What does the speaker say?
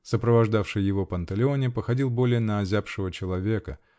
Сопровождавший его Панталеоне походил более на озябшего человека.